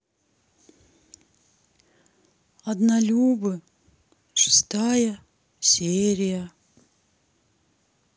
однолюбы шестая серия